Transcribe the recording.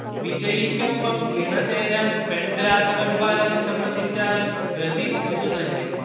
വിജയിക്കൊപ്പം ഇണചേരാൻ പെൺരാജവെമ്പാല വിസമ്മതിച്ചാലും ഗതി ഇതുതന്നെ